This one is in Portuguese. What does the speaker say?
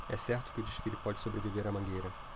é certo que o desfile pode sobreviver à mangueira